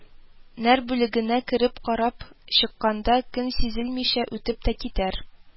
Нәр бүлегенә кереп карап чыкканда, көн сизелмичә үтеп тә китәр